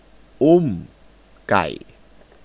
อุ้มไก่